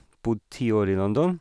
Bodde ti år i London.